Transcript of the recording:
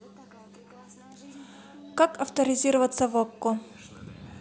как авторизироваться в окко